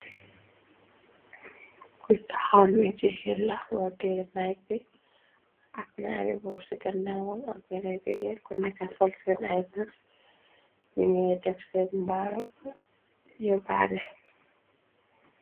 kutahalme je helamote nayke ak nani bo cikannawon ak bregege ko neka solsen ay ma ninge defse baro je bane